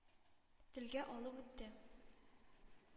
Телгә алып үтте,